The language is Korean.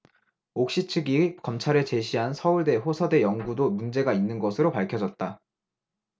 옥시 측이 검찰에 제시한 서울대 호서대 연구도 문제가 있는 것으로 밝혀졌다